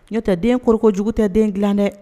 Ɲɔo tɛ den koko jugu tɛ den dilan dɛ